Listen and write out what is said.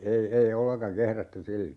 ei ei ollenkaan kehrätty silloin